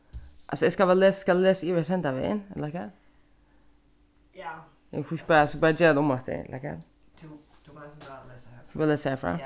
altso eg skal væl skal eg lesa yvir eftir hendan vegin ella hvat jamen kunnu vit ikki bara so bara gera tað umaftur ella hvat bara lesa har frá